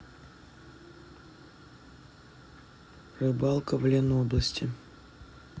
рыбалка в лен области